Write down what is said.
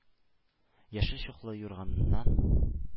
Яшел чуклы юрганыннан.